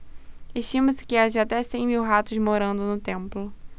estima-se que haja até cem mil ratos morando no templo